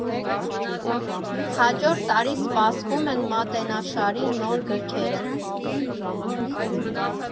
Հաջորդ տարի սպասվում են մատենաշարի նոր գրքերը։